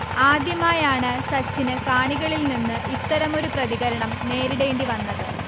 ആദ്യമായാണ് സച്ചിന് കാണികളിൽ നിന്ന് ഇത്തരമൊരു പ്രതികരണം നേരിടേണ്ടിവന്നത്